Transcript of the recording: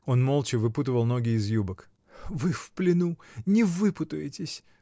Он молча выпутывал ноги из юбок. — Вы в плену, не выпутаетесь!